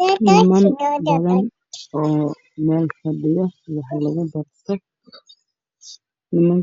Halkaan waxaa ka muuqdo niman waxbarasho ku jiro waxay ku fadhiyaan